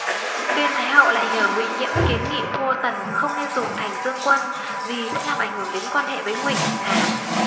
tuyên thái hậu lại nhờ ngụy nhiễm kiến nghị vua tần không nên dùng thành dương quân vì sẽ làm ảnh hưởng đến quan hệ với ngụy hàn